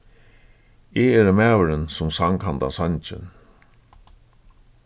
eg eri maðurin sum sang handan sangin